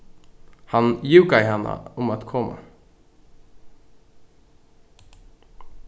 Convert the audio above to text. hann júkaði hana um at koma